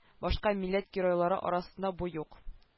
Башка милләт геройлары арасында бу юк